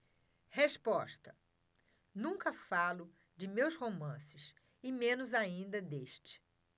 resposta nunca falo de meus romances e menos ainda deste